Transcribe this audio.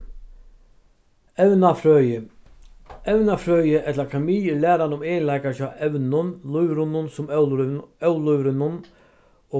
evnafrøði evnafrøði ella kemi er læran um eginleikar hjá evnum lívrunnum sum ólívrunnum